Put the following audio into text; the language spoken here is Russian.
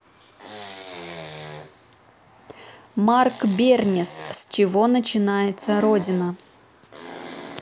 марк бернес с чего начинается родина